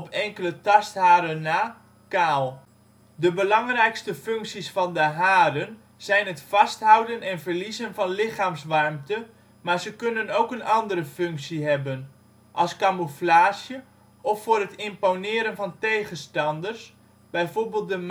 enkele tastharen na, kaal. De belangrijkste functies van de haren zijn het vasthouden en verliezen van lichaamswarmte, maar ze kunnen ook een andere functie hebben, als camouflage of voor het imponeren van tegenstanders (bijvoorbeeld de